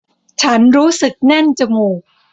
ฉันรู้สึกแน่นจมูก